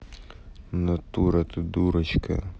natura ты дурочка